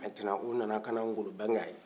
maintenant o na na kana ŋolo bange a ye